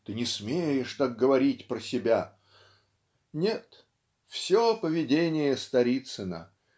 "Ты не смеешь так говорить про себя". нет все поведение Сторицына